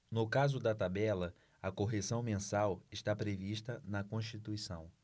no caso da tabela a correção mensal está prevista na constituição